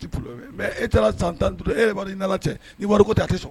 O tɛ problème ye Mais e taara san 15 e yɛrɛ b'a don i ni allah cɛ, ni wari ko tɛ a tɛ sɔn.